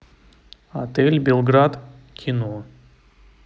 отель белград кино